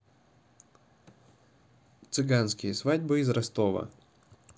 цыганские свадьбы из ростова